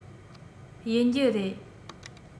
ཡིན རྒྱུ རེད